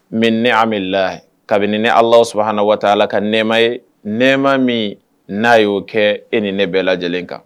Mɛ ne ala kabini ni ala sabaha waatita ala ka nɛma ye nɛma min na yo kɛ e ni ne bɛɛ lajɛlen kan